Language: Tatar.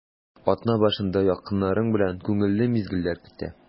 Атна башында якыннарың белән күңелле мизгелләр көтә.